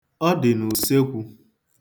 Ọ dị n'usekwu.